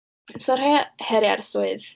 So rhei o heriau'r swydd.